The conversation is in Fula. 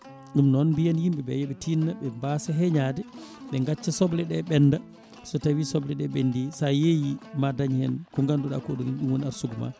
ɗum noon mbiyen yimɓeɓe yooɓe tinno mbasa heeñade ɓe gacca sobleɗe ɓenda so tawi sobleɗe ɓendi sa yeeyi ma daañ hen ko ganduɗa koɗo ni ɗum woni arsugue ma